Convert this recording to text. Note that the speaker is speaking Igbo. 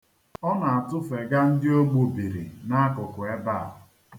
Ọ na-atụfega ndị o gbubiri n'akụkụ ebe a.